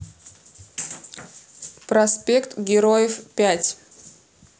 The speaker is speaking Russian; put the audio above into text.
проспект героев пять